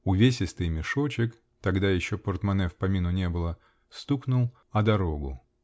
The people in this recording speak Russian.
Увесистый мешочек (тогда еще портмоне в помину не было) стукнул о дорогу.